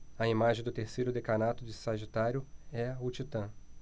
a imagem do terceiro decanato de sagitário é o titã